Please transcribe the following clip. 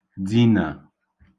dinà